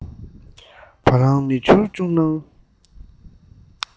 བ གླང མི ཁྱུར བཅུག གནང